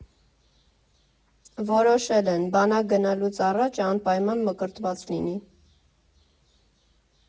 Որոշել են՝ բանակ գնալուց առաջ անպայման մկրտված լինի։